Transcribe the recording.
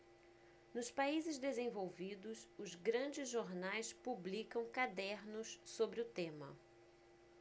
nos países desenvolvidos os grandes jornais publicam cadernos sobre o tema